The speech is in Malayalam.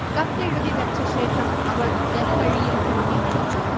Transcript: കത്തെഴുതി വച്ച ശേഷം അവൾ ജനലഴിയിൽ തൂങ്ങി മരിച്ചു